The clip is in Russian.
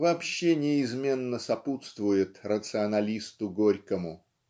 вообще неизменно сопутствует рационалисту Горькому.